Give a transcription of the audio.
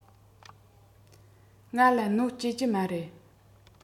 ང ལ གནོད སྐྱེལ གྱི མ རེད